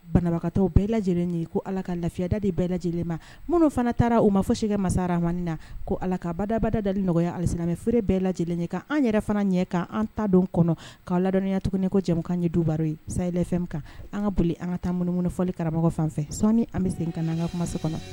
Banabagatɔ bɛɛ lajɛlen ye ko ala ka lafiyada de bɛɛ lajɛlen ma minnu fana taara u ma fɔ si masamani na ko ala ka badabada dali nɔgɔyaya asiinamɛ feereere bɛɛ lajɛlen ye kan an yɛrɛ fana ɲɛ kan an ta don kɔnɔ k'aw ladɔnya tuguni ko cɛkan ɲɛ du baara ye sayi kan an ka boli an ka taa munummunufɔli karamɔgɔ fan fɛ sɔni an bɛ sen ka'an ka kumaso kɔnɔ